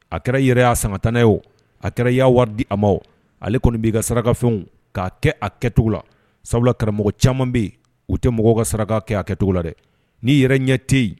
A kɛra yɛrɛ y' sama tanɛ o a kɛra ya wari di a ma ale kɔni b'i ka sarakafɛnw k'a kɛ a kɛcogo la sabula karamɔgɔ caman bɛ yen u tɛ mɔgɔw ka saraka kɛya kɛcogo la dɛ ni yɛrɛ ɲɛ tɛ yen